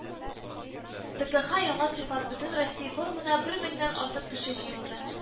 “тэкэха – яңа сыйфат” бөтенроссия форумына бер меңнән артык кеше җыелды